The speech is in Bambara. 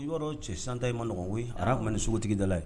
I b'a dɔn cɛ chantage man nɔgɔn koyi Ara tun nin sogotigi dala yen